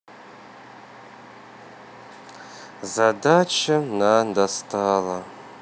задача на достала